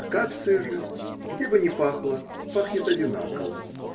Акация же, где бы ни пахла, пахнет одинаково.